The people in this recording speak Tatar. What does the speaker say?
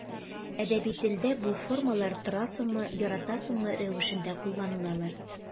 Әдәби телдә бу формалар торасыңмы, яратасыңмы рәвешендә кулланылалар.